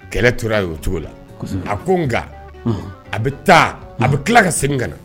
Kɛlɛ tora yen o cogo la . A ko nga a bɛ taa a bɛ kila ka segin ka na.